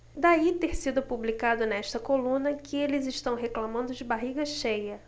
daí ter sido publicado nesta coluna que eles reclamando de barriga cheia